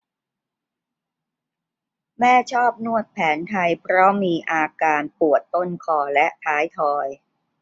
แม่ชอบนวดแผนไทยเพราะมีอาการปวดต้นคอและท้ายทอย